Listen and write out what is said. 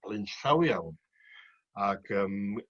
blaenllaw iawn ac yym